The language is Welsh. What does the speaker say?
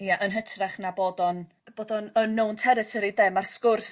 Ia yn hytrach na bod o'n bod o'n unknow territory 'de ma'r sgwrs...